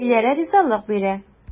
Диләрә ризалык бирә.